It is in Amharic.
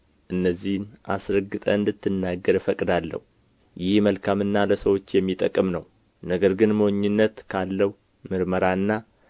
እነዚህን አስረግጠህ እንድትናገር እፈቅዳለሁ ይህ መልካምና ለሰዎች የሚጠቅም ነው ነገር ግን ሞኝነት ካለው ምርመራና